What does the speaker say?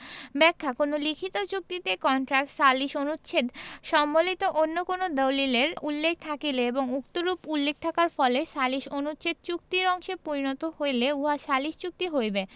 ব্যাখ্যাঃ কোন লিখিত চুক্তিতে কন্ট্রাক্ট সালিস অনুচ্ছেদ সম্বলিত অন্য কোন দালিলের উল্লেখ থাকিলে এবং উক্তরূপ উল্লেখ থাকার ফলে সালিস অনুচ্ছেদ চুক্তির অংশে পরিণত হইলে উহা সালিস চুক্তি হইবে